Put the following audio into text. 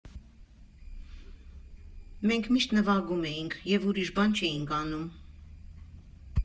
Մենք միշտ նվագում էինք և ուրիշ բան չէինք անում.